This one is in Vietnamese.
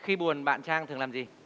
khi buồn bạn trang thường làm gì